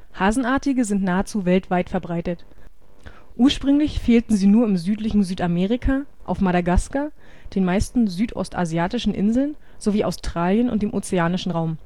Hasenartige sind nahezu weltweit verbreitet. Ursprünglich fehlten sie nur im südlichen Südamerika, auf Madagaskar, den meisten südostasiatischen Inseln sowie Australien und dem ozeanischen Raum